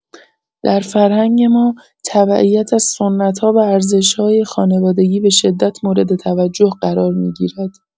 در فرهنگ ما، تبعیت از سنت‌ها و ارزش‌های خانوادگی به‌شدت مورد توجه قرار می‌گیرد.